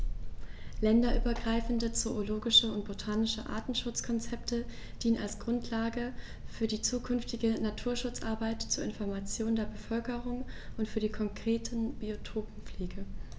Länderübergreifende zoologische und botanische Artenschutzkonzepte dienen als Grundlage für die zukünftige Naturschutzarbeit, zur Information der Bevölkerung und für die konkrete Biotoppflege.